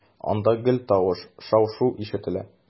Анда гел тавыш, шау-шу ишетелә.